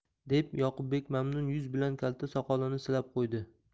deb yoqubbek mamnun yuz bilan kalta soqolini silab qo'ydi